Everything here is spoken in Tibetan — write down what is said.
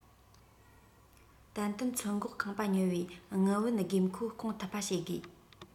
ཏན ཏན ཚོད འགོག ཁང པ ཉོ བའི དངུལ བུན དགོས མཁོ སྐོང ཐུབ པ བྱེད དགོས